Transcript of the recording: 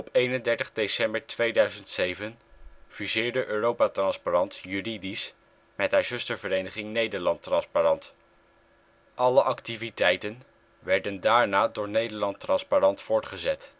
31 december 2007 fuseerde Europa Transparant juridisch met haar zustervereniging Nederland Transparant. Alle activiteiten werden daarna door Nederland Transparant voortgezet